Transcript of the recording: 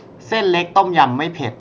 เส้นเล็กต้มยำไม่เผ็ด